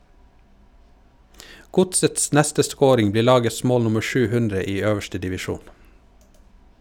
Godsets neste scoring blir lagets mål nummer 700 i øverste divisjon.